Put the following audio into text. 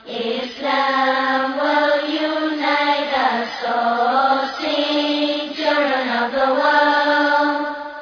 Y mɔgɔ yoinɛ ka sɔrɔ se